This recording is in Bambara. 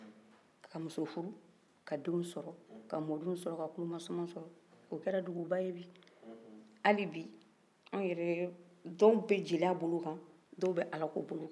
ka mɔdenw sɔrɔ ka tulu masama sɔrɔ o kɛra dugu ba ye ali bi anw yɛrɛ dɔ bɛ jeliya bolo kan dɔw bɛ ala ko bolo kan